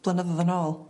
Blynyddodd yn ôl.